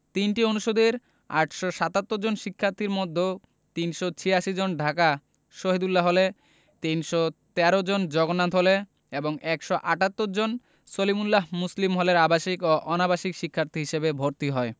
৩টি অনুষদের ৮৭৭ জন শিক্ষার্থীর মধ্যে ৩৮৬ জন ঢাকা শহীদুল্লাহ হলে ৩১৩ জন জগন্নাথ হলে এবং ১৭৮ জন সলিমুল্লাহ মুসলিম হলের আবাসিক ও অনাবাসিক শিক্ষার্থী হিসেবে ভর্তি হয়